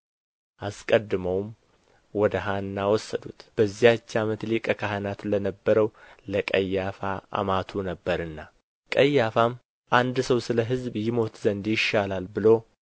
አስቀድመውም ወደ ሐና ወሰዱት በዚያች ዓመት ሊቀ ካህናት ለነበረው ለቀያፋ አማቱ ነበርና ቀያፋም አንድ ሰው ስለ ሕዝብ ይሞት ዘንድ ይሻላል ብሎ